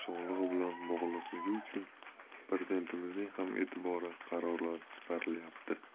bilan bog'liqligi uchun prezidentimizning ham e'tibori qarorlari chiqarilyapti